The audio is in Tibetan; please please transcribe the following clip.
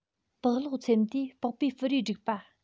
པགས སློག འཚེམ དུས པགས པའི སྤུ རིས སྒྲིག པ